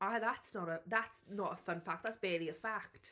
Ah, that's not a... that's not a fun fact, that's barely a fact.